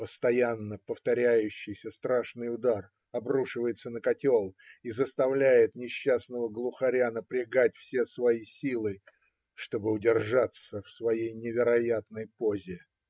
Постоянно повторяющийся страшный удар обрушивается на котел и заставляет несчастного глухаря напрягать все свои силы, чтобы удержаться в своей невероятной позе.